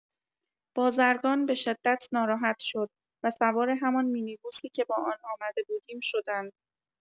بازرگان بشدت ناراحت شد و سوار همان مینی بوسی که با آن آمده بودیم شدند.